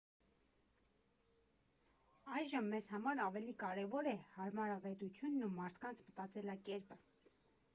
Այժմ մեզ համար ավելի կարևոր է հարմարավետությունն ու մարդկանց մտածելակերպը։